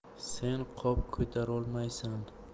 sen qop ko'tarolmaysan